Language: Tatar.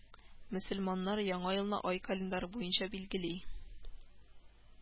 Мөселманнар Яңа елны ай календаре буенча билгели